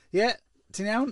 Ie, ti'n iawn?